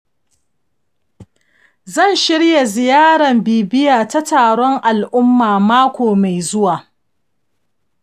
zan shirya ziyarar bibiya ta taron al'umma mako mai zuwa.